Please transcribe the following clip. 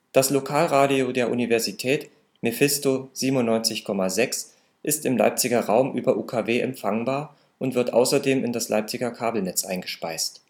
Das Lokalradio der Universität mephisto 97.6 ist im Leipziger Raum über UKW empfangbar und wird außerdem in das Leipziger Kabelnetz eingespeist